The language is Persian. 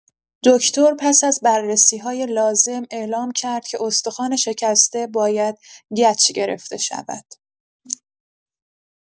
دکتر پس از بررسی‌های لازم اعلام کرد که استخوان شکسته باید گچ گرفته شود.